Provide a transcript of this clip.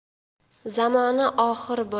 zamona oxir bo'lsa